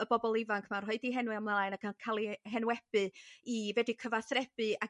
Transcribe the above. y bobol ifanc ma' yn rhoid i henwa' ymlaen ac cael ei henwebu i fedru cyfathrebu ac